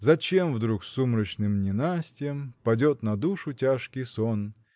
Зачем вдруг сумрачным ненастьем Падет на душу тяжкий сон